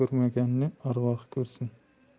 ko'rmaganni arvohi ko'rsin